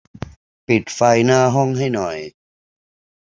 ปิดไฟหน้าห้องให้หน่อย